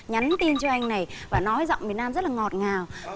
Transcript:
nhắn tin cho anh này và nói giọng miền nam rất là ngọt ngào